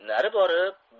nari borib